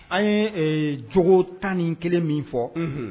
An ye jogo tan ni kelen min fɔ